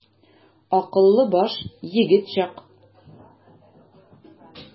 Акыллы баш, егет чак.